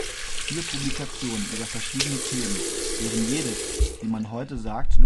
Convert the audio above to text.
Publikationen über verschiedene Themen, deren jede, wie man heute sagt, nobelpreiswürdig